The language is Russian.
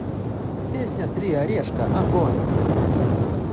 песня три орешка огонь